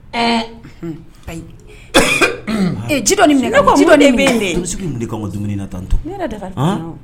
Ɛɛ ayi ci dɔ nin minɛ ko ci dɔden bɛ yen de ka dumuni na tan to dafa